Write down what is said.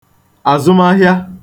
àzụmahịa